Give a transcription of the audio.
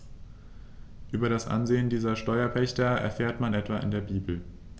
Über das Ansehen dieser Steuerpächter erfährt man etwa in der Bibel.